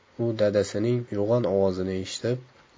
u dadasining yo'g'on ovozini eshitib